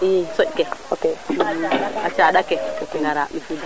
i soƴ ke a taɗa ke